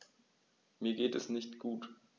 Mir geht es nicht gut.